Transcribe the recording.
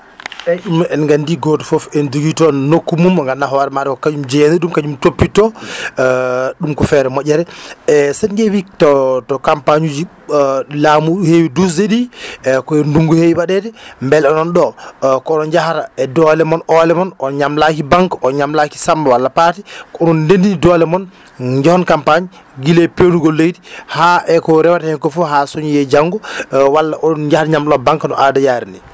eyyi ɗum noon en gandi goto foof ene jogui toon nokku mum mo gandanɗa hoorema ɗa ko kañum jeyani ɗum ko kañum toppitto ɗum ko feere moƴƴere e sen ƴeewi to to campagne uji ɗo laamu hewi dusde ɗi eyyi koye ndungu hewi waɗede beele onoon ɗo ko onoon jahata e dole moom olemon on ñamlaki banque on ñamlaki Samba walla Paté onoon ndendini dole moon jeehon campagne guiley pewnugol leydi ha eko rewata hen ko foof ha cooñoye janggo walla on jahat ñamlo ɗon banque no aada yarini